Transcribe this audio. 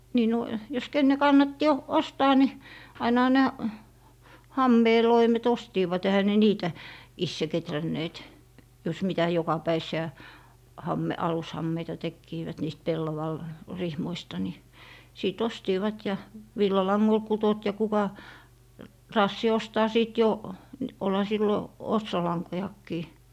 niin no jos kenen kannatti - ostaa niin ainahan - hameen loimet ostivat eihän ne niitä itse kehränneet jos mitä jokapäiväisiä - alushameita tekivät niistä - pellavarihmoista niin sitten ostivat ja villalangoilla kutoivat ja kuka raatsi ostaa sitten jo niin olihan silloin ostolankojakin